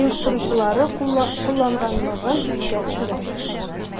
оештыручылары кулланганлыгын искә төшерә.